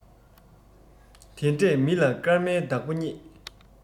དེ འདྲས མི ལ སྐར མའི བདག པོ རྙེད